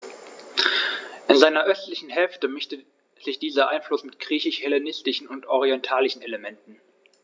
In seiner östlichen Hälfte mischte sich dieser Einfluss mit griechisch-hellenistischen und orientalischen Elementen.